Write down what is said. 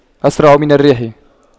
أسرع من الريح